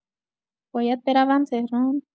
باید بروم تهران؟